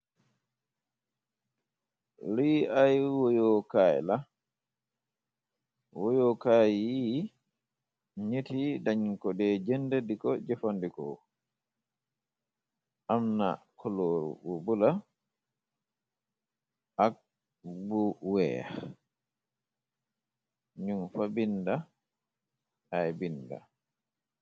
Lii ay woyokaay la woyokaay yi niti dañu ko dee jënd diko jëfandikoo amna koloor bu bula ak bu weex nu fa binda ay binda.